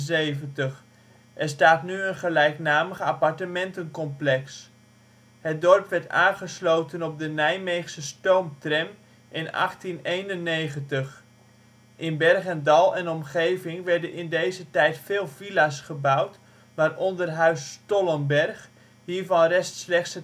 in 1971; er staat nu een gelijknamig appartementencomplex. Het dorp werd aangesloten op de Nijmeegse stoomtram in 1891. In Berg en Dal en omgeving werden in deze tijd veel villa 's gebouwd, waaronder huis Stollenberg (hiervan rest slechts